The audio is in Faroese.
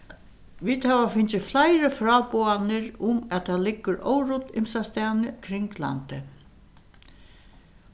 vit hava fingið fleiri fráboðanir um at tað liggur órudd ymsastaðni kring landið